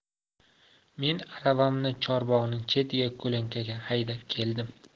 men aravamni chorbog'ning chetiga ko'lankaga haydab keldim